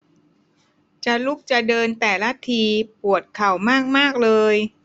จะลุกจะเดินแต่ละทีปวดเข่ามากมากเลย